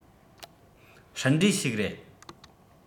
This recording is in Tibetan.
སྲིད འབྲས ཤིག རེད